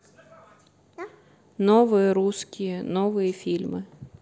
новые русские новые фильмы